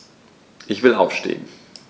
Ich will aufstehen.